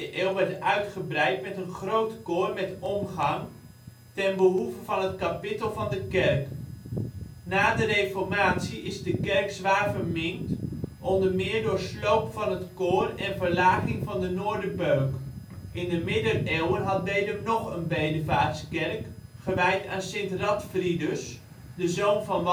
eeuw werd uitgebreid met een groot koor met omgang ten behoeve van het kapittel van de kerk. Na de Reformatie is de kerk zwaar verminkt, onder meer door sloop van het koor en verlaging van de noorderbeuk. In de Middeleeuwen had Bedum nog een bedevaartskerk, gewijd aan Sint Radfridus, de zoon van Walfridus